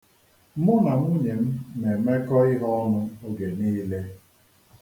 Mụ na nwunye m na-emekọ ihe ọnụ oge niile.